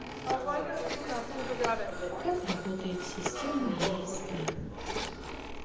как работает система есп